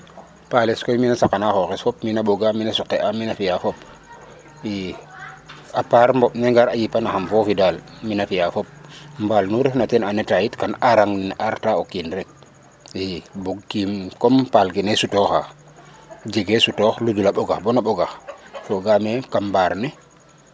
Paales koy mi' na saqana xooxes fop mi' na ɓogaa, mi' na suqi'aa, mi' na fi'aa fop i mboɓ ne ngar a yipanaxam foofi daal mi' na fi'aa fop. Mbaal nu refna teen en Etat tam kaam aarang neem arta o kiin rek i bug kiin comme paal ke ne sutooxa jegee sutoox ludul a ɓogel boba ɓogax fogaam me kam mbaar ne.